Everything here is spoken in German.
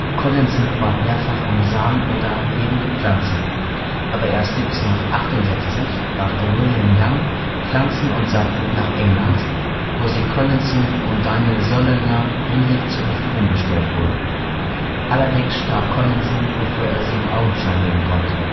Collinson bat mehrfach um Samen oder lebende Pflanzen, aber erst 1768 brachte William Young Pflanzen und Saatgut nach England, wo sie Collinson und Daniel Solander endlich zur Verfügung gestellt wurden (allerdings starb Collinson, bevor er sie in Augenschein nehmen konnte